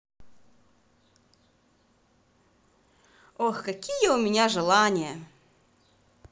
ох какие у меня желания